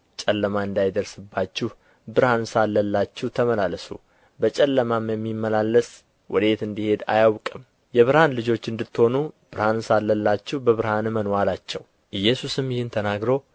ጨለማ እንዳይደርስባችሁ ብርሃን ሳለላችሁ ተመላለሱ በጨለማም የሚመላለስ ወዴት እንዲሄድ አያውቅም የብርሃን ልጆች እንድትሆኑ ብርሃን ሳለላችሁ በብርሃኑ እመኑ አላቸው ኢየሱስም ይህን ተናግሮ